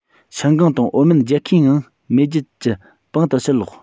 ཞང ཀང དང ཨའོ མོན རྒྱལ ཁའི ངང མེས རྒྱལ གྱི པང དུ ཕྱིར ལོག